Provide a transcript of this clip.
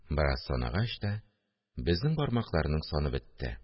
Бераз санагач та, безнең бармакларның саны бетте